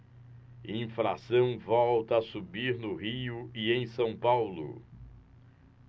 inflação volta a subir no rio e em são paulo